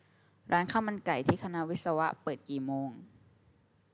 ร้านข้าวมันไก่ที่คณะวิศวะเปิดกี่โมง